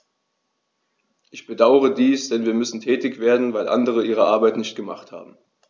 Ich bedauere dies, denn wir müssen tätig werden, weil andere ihre Arbeit nicht gemacht haben.